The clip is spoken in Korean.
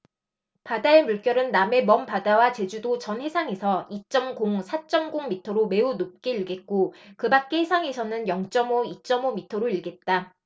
바다의 물결은 남해 먼바다와 제주도 전 해상에서 이 쩜 공 사 쩜 공 미터로 매우 높게 일겠고 그 밖의 해상에서는 영 쩜 오 이 쩜 오 미터로 일겠다